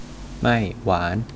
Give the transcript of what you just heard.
ไม่หวาน